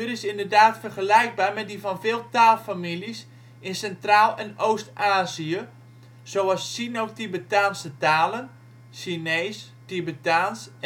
is inderdaad vergelijkbaar met die van veel taalfamilies in Centraal - en Oost-Azië, zoals Sino-Tibetaanse talen (Chinees, Tibetaans